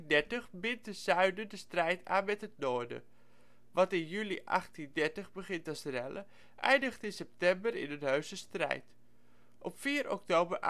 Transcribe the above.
1830 bindt het Zuiden de strijd aan met het Noorden. Wat in juli 1830 begint als rellen, eindigt in september in een heuse strijd. Op 4 oktober